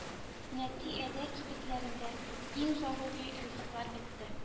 Нәти әдә кибетләрдә иң зарури ризыклар бетте